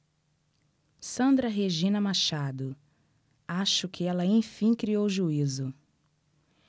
sandra regina machado acho que ela enfim criou juízo